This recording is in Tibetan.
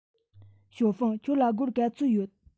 ཞའོ ཧྥང ཁྱོད ལ སྒོར ག ཚོད ཡོད